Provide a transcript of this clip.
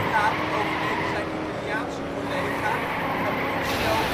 later overleed zijn Italiaanse collega Fabrizio